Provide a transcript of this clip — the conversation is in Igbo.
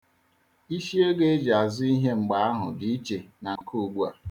Isiego eji azụ ihe mgbe ahụ dị iche na nke ugbua.